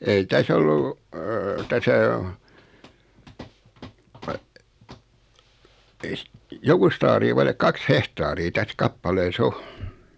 ei tässä ollut tässä on ei - jokusta aaria vaille kaksi hehtaaria tässä kappaleessa on